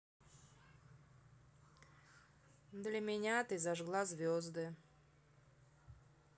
для меня ты зажигала звезды